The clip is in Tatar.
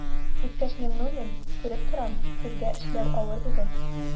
Иптәш Миңнуллин, күреп торам, сезгә эшләү авыр бүген.